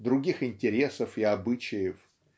других интересов и обычаев